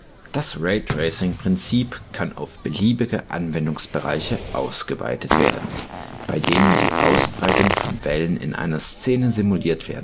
Das Raytracing-Prinzip kann auf beliebige Anwendungsbereiche ausgeweitet werden, bei denen die Ausbreitung von Wellen in einer Szene simuliert